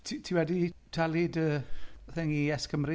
Ti- ti wedi talu dy thing i YesCymru?